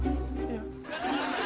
ây da